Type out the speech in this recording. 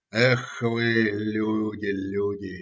- Эх вы, люди, люди.